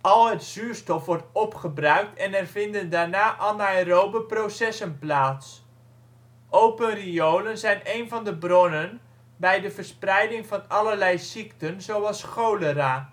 al het zuurstof wordt opgebruikt en er vinden daarna anaerobe processen plaats. Open riolen zijn een van de bronnen bij de verspreiding van allerlei ziekten zoals cholera.